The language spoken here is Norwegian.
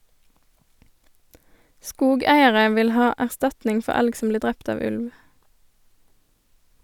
Skogeiere vil ha erstatning for elg som blir drept av ulv.